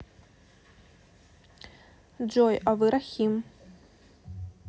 джой а вы рахим